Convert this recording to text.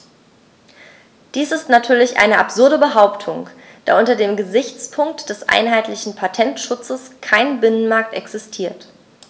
Dies ist natürlich eine absurde Behauptung, da unter dem Gesichtspunkt des einheitlichen Patentschutzes kein Binnenmarkt existiert.